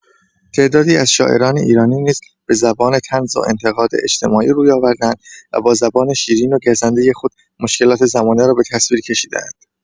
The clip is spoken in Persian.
تعدادی از شاعران ایرانی نیز به زبان طنز و انتقاد اجتماعی روی آورده‌اند و با زبان شیرین و گزنده خود، مشکلات زمانه را به تصویر کشیده‌اند.